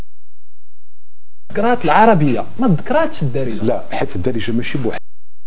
قناه العربيه